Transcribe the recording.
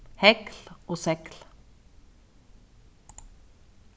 hegl og segl